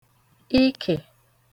ikè